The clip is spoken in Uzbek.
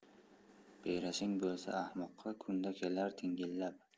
berasing bo'lsa ahmoqqa kunda kelar tingillab